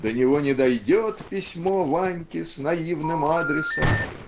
До него не дойдет письмо Ваньки с наивным адресом